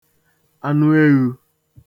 anụ eghū